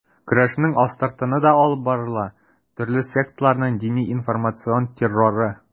Көрәшнең астыртыны да алып барыла: төрле секталарның дини-информацион терроры.